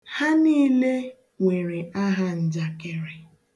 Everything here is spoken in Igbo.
Ha niile nwere ahanjakịrị.